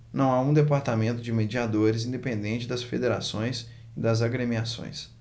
não há um departamento de mediadores independente das federações e das agremiações